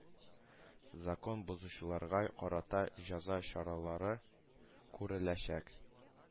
Закон бозучыларга карата җәза чаралары күреләчәк.